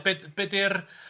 Be- be 'di'r...